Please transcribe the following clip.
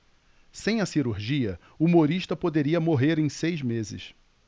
sem a cirurgia humorista poderia morrer em seis meses